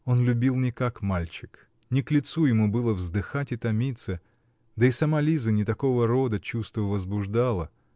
Он любил не как мальчик, не к лицу ему было вздыхать и томиться, да и сама Лиза не такого рода чувство возбуждала